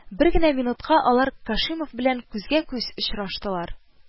Бер генә минутка алар Кашимов белән күзгә-күз очраштылар